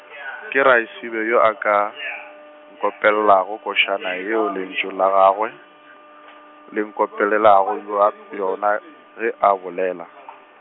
ke Raesibe yo a ka, nkopelelago košana yeo lentšu la gagwe , le nkopelelago yo a, yona, ge a bolela .